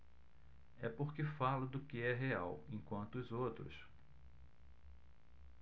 é porque falo do que é real enquanto os outros